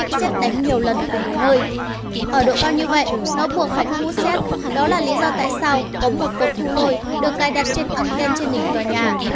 và nó bị sét đánh nhiều lần cùng nơi ở độ cao như vậy nó buộc phải thu hút sét đó là lý do tại sao có một cột thu lôi được cài đặt trên ăng ten trên đỉnh tòa nhà